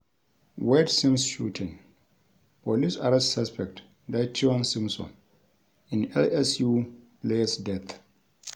Wayde Sims shooting: Police arrest suspect Dyteon Simpson in LSU player's death